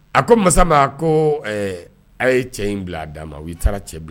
A ko masa ma ko a ye cɛ in bila d'a ma o taara cɛ bila